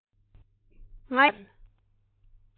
ང ཡང སྐད ཆ མེད པར